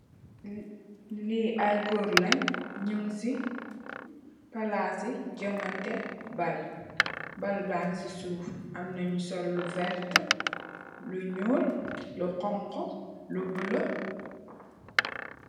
Li ay gór leeñ ñing ci palasi jongateh bal, bal bang si suuf. Am na ñu sol lu werta, lu ñuul, lu xonxu, lu bula.